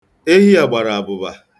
Ehi a gbara abụba.